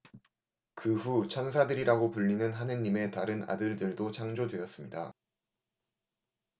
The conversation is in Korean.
그 후 천사들이라고 불리는 하느님의 다른 아들들도 창조되었습니다